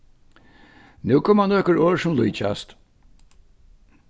nú koma nøkur orð sum líkjast